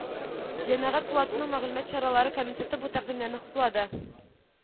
Җәмәгать пулатының Мәгълүмат чаралары комитеты бу тәкъдимнәрне хуплады